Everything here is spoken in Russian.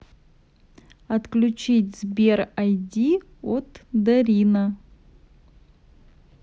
отключить сбер id от дарина